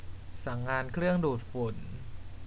สั่งงานเครื่องดูดฝุ่น